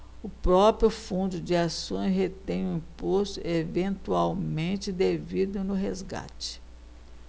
o próprio fundo de ações retém o imposto eventualmente devido no resgate